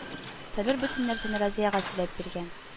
Сабир бөтен нәрсәне Разиягә сөйләп биргән